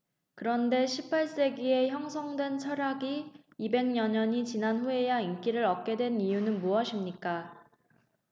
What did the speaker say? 그런데 십 팔 세기에 형성된 철학이 이백 여 년이 지난 후에야 인기를 얻게 된 이유는 무엇입니까